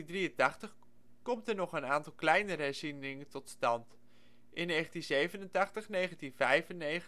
1983 komt nog een aantal kleinere herzieningen tot stand in 1987, 1995, 1998, 2000 en 2002. De